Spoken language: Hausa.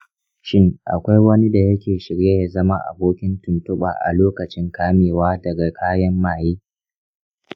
shin akwai wani da yake shirye ya zama abokin tuntuɓa a lokacin kamewa daga kayan maye?